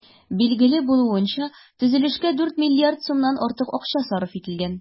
Билгеле булуынча, төзелешкә 4 миллиард сумнан артык акча сарыф ителгән.